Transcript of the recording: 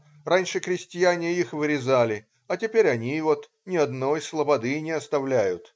раньше крестьяне их вырезали, а теперь они вот ни одной слободы не оставляют.